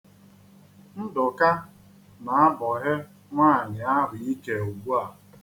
Ndụka na-abọhe nwaanyị ahụ ike ugbu a.